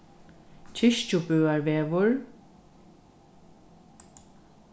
kirkjubøarvegur